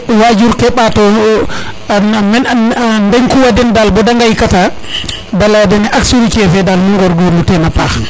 et wajuur ke ɓato a ndeku a den dal dode ngay kata de leya dene dal axe routier fe dal nu ngorngorlu tena paax